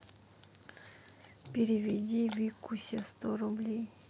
переведи викусе сто рублей